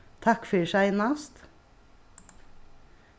takk fyri seinast